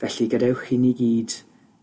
Felly gadewch i ni gyd